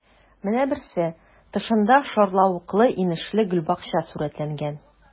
Менә берсе: тышында шарлавыклы-инешле гөлбакча сурәтләнгән.